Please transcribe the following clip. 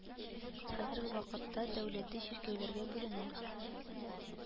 Хәзерге вакытта дәүләти чиркәүләргә бүленә